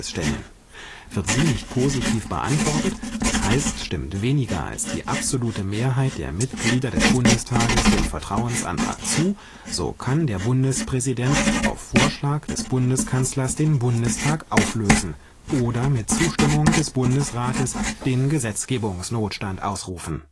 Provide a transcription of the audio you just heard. GG). Wird sie nicht positiv beantwortet, das heißt stimmt weniger als die absolute Mehrheit der Mitglieder des Bundestages dem Vertrauensantrag zu, so kann der Bundespräsident auf Vorschlag des Bundeskanzlers den Bundestag auflösen oder mit Zustimmung des Bundesrates den Gesetzgebungsnotstand ausrufen